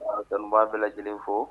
B'a kanubaa bɛɛ lajɛlen fo